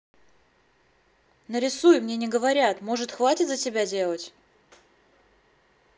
нарисуй мне не говорят может хватит за тебя делать